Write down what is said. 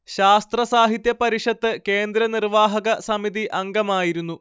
ശാസ്ത്രസാഹിത്യ പരിഷത്ത് കേന്ദ്ര നിർവ്വാഹക സമിതി അംഗമായിരുന്നു